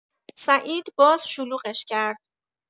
سعید باز شلوغش کرد.